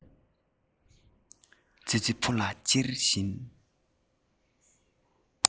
ཙི ཙི ཕོ ལ ཅེར བཞིན